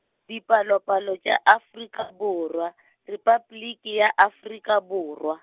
Dipalopalo tša Afrika Borwa, Repabliki ya Afrika Borwa.